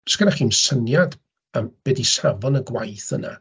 Sgynnoch chi'm syniad am be 'di safon y gwaith yna.